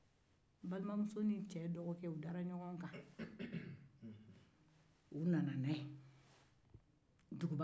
balimamuso ni cɛ muso dara ɲɔgɔn kan ka na duguba kɔnɔ